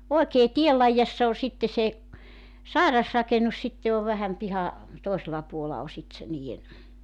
oikein tien laidassa on sitten se sairasrakennus sitten on vähän piha toisella puolella on sitten se niiden